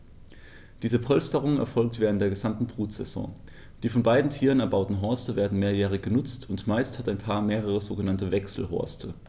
Diese Polsterung erfolgt während der gesamten Brutsaison. Die von beiden Tieren erbauten Horste werden mehrjährig benutzt, und meist hat ein Paar mehrere sogenannte Wechselhorste.